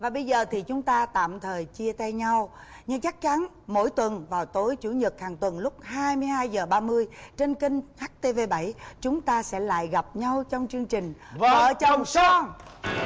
và bây giờ thì chúng ta tạm thời chia tay nhau nhưng chắc chắn mỗi tuần vào tối chủ nhật hàng tuần lúc hai mươi hai giờ ba mươi trên kênh hát tê vê bảy chúng ta sẽ lại gặp nhau trong chương trình vợ chồng son